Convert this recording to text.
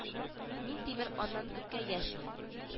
Мин тимер аннан күпкә яшьмен